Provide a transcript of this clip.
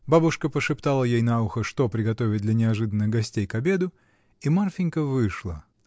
Бабушка пошептала ей на ухо, что приготовить для неожиданных гостей к обеду, и Марфинька вышла.